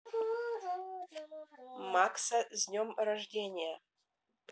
макса с днем рождения